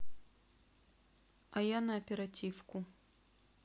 а я на оперативку